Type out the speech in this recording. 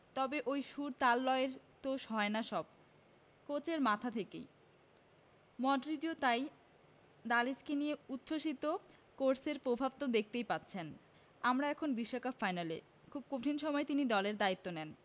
তবে ওই সুর তাল লয়ের তো হয় সব কোচের মাথা থেকেই মডরিচও তাই দালিচকে নিয়ে উচ্ছ্বসিত কোচের প্র্রভাব তো দেখতেই পাচ্ছেন আমরা এখন বিশ্বকাপ ফাইনালে খুব কঠিন সময়ে তিনি দলের দায়িত্ব নেন